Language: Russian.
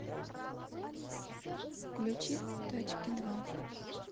включи тачки два